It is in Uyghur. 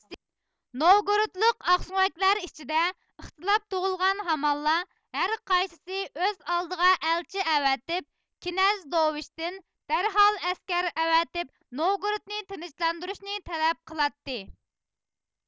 نوۋگورودلۇق ئاقسۆڭەكلەر ئىچىدە ئىختىلاپ تۇغۇلغان ھامانلا ھەرقايسىسى ئۆز ئالدىغا ئەلچى ئەۋەتىپ كىنەز دوۋىچتىن دەرھال ئەسكەر ئەۋەتىپ نوۋگورودنى تىنچلاندۇرۇشنى تەلەپ قىلاتتى